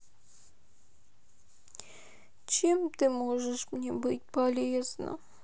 чем ты можешь быть мне полезна